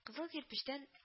Кызыл керпечтән